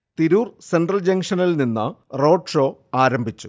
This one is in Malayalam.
തിരൂർ സെൻട്രൽ ജംഗ്ഷനിൽ നിന്ന് റോഡ്ഷോ ആരംഭിച്ചു